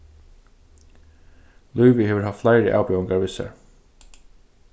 lívið hevur havt fleiri avbjóðingar við sær